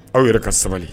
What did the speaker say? Aw yɛrɛ ka sabali